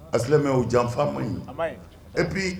Alsaamɛw, janfa ma ɲi , a ma ɲin , et puis.